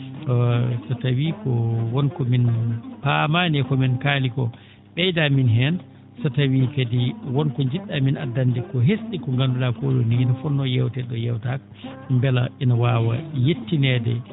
so tawii ko wonko min paamaani e ko min kaali ko ?eydaa min heen so tawii kadi won ko nji??a min addande ko hes?i ko ngandu?aa ko?oni henna ne fonnoo yewteede ?oo yeewtaaka mbela ina waawa yettineede